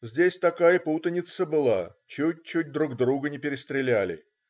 Здесь такая путаница была, чуть-чуть друг друга не перестреляли.